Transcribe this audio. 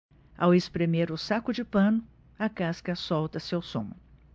ao espremer o saco de pano a casca solta seu sumo